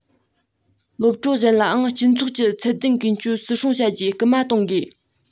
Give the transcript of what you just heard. སློབ གྲོགས གཞན ལའང སྤྱི ཚོགས ཀྱི ཚད ལྡན ཀུན སྤྱོད བརྩི སྲུང བྱེད རྒྱུའི སྐུལ མ གཏོང དགོས